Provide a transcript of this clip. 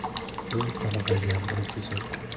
ming qarg'aga bir kesak